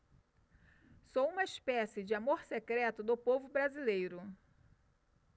sou uma espécie de amor secreto do povo brasileiro